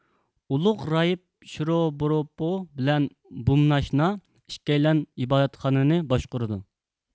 ئۇلۇغ راھىب شىروبوروپو بىلەن بۇمناشنا ئىككىيلەن ئىبادەتخانىنى باشقۇرىدۇ